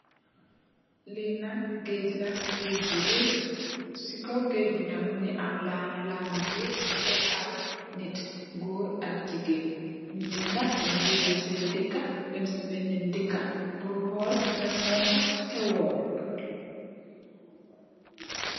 Lii nak geudggh la, geudggh bu reiyy, cii kaw geudggh bii nak mungy am lahnah, lahnah bu reiyy mungy ehbb aiiy nitt gorre ak gigain, nittyi nak dengh jogeh sen dehkah dem cii benen dehkah pur hol lan mofa hewon.